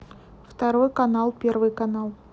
второй канал первый канал